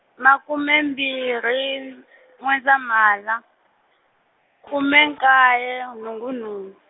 makume mbirhi, N'wendzamhala, khume nkaye nhungu nhungu.